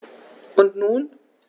Und nun?